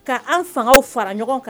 'an fanga fara ɲɔgɔn kan